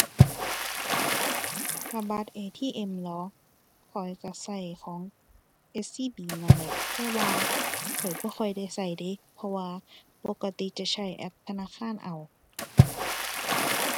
ถ้าบัตร ATM เหรอ ข้อยก็ก็ของ SCB นั่นแหละ แต่ว่าข้อยบ่ค่อยได้ก็เดะ เพราะว่าปกติจะใช้แอปธนาคารเอา